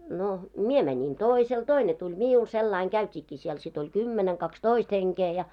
no minä menin toiselle toinen tuli minulle sillä lailla käytiinkin siellä sitten oli kymmenen kaksitoista henkeä ja